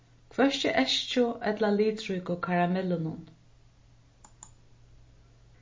hvørki eskju ella litríku karamellunum